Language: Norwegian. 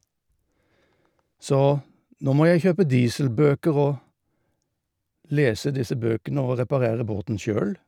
Så nå må jeg kjøpe dieselbøker og lese disse bøkene og reparere båten sjøl.